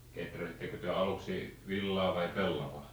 kehräsittekö te aluksi villaa vai pellavaa